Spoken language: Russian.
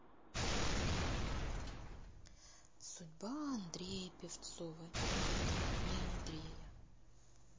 судьба андрея певцова нет не андрея